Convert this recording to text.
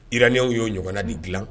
Iranew y'o ɲɔgɔn di dilan